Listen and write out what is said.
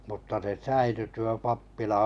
mutta se säilyi tuo pappila